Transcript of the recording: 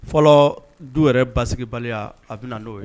Fɔlɔ du yɛrɛ basigibaliya a bɛ na n'o ye